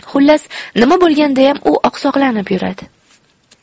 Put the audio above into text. xullas nima bo'lgandayam u oqsoqlanib yuradi